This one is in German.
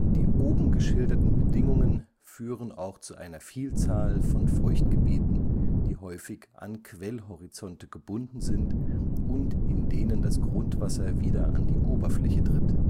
Die oben geschilderten Bedingungen führen auch zu einer Vielzahl von Feuchtgebieten, die häufig an Quellhorizonte gebunden sind und in denen das Grundwasser wieder an die Oberfläche tritt